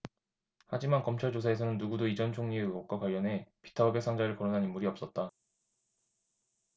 하지만 검찰 조사에서는 누구도 이 전 총리의 의혹과 관련해 비타 오백 상자를 거론한 인물이 없었다